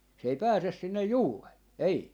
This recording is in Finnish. se ei pääse sinne juureen ei